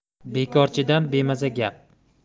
bekorchidan bemaza gap